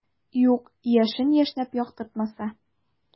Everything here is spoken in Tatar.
Юк, яшен яшьнәп яктыртмаса.